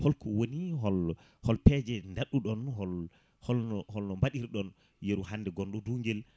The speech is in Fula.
holko woni hol peeje dadɗuɗon hol holno holno baɗiɗon yeeru hande gonɗo Dunguel